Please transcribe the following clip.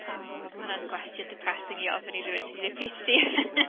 O ma' hwnna'n gwestiwn depressing i ofyn i rywun sy wedi'i gwneud PhD .